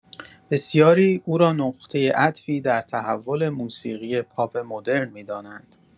بسیاری او را نقطه عطفی در تحول موسیقی پاپ مدرن می‌دانند.